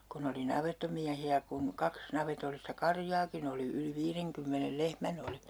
kun oli navettamiehiä kun kaksi navetallista karjaakin oli yli viidenkymmenen lehmän oli